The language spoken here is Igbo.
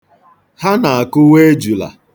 Ha na-akụwa ejula.